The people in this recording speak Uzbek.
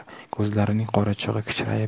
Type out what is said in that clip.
ko'zlarining qorachig'i kichrayib